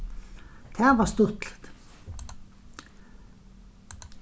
tað var stuttligt